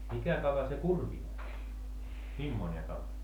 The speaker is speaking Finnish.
mikä kala se kurvi oli mimmoinen kala